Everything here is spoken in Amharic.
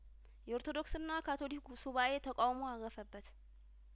የኦሮቶዶክስና ካቶሊኩ ሱባኤ ተቃውሞ አረፈበት